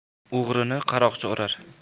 o'g'rini qaroqchi urar